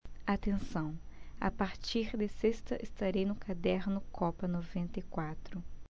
atenção a partir de sexta estarei no caderno copa noventa e quatro